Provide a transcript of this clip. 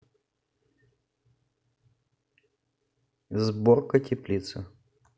сборка теплицы